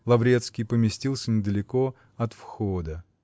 Лаврецкий поместился недалеко от входа.